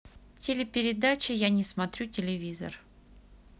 телепередача я не смотрю телевизор